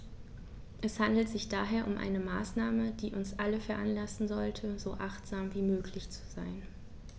Es handelt sich daher um eine Maßnahme, die uns alle veranlassen sollte, so achtsam wie möglich zu sein.